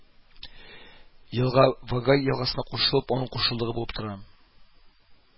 Елга Вагай елгасына кушылып, аның кушылдыгы булып тора